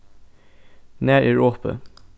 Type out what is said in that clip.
nær er opið